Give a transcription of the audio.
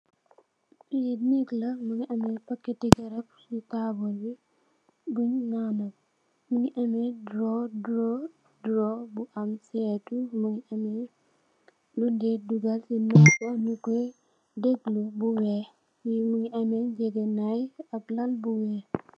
Fee neeg la munge ameh packete garab se taabul be bun nana gul munge ameh doru doru doru bu am setu munge ameh lun de dogal se nopa nukoy deglo bu weex munge ameh jegenaye ak lal bu weex.